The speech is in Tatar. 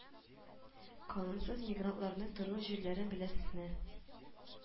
Канунсыз мигрантларның тору җирләрен беләсезме